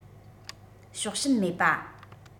ཕྱོགས ཞེན མེད པ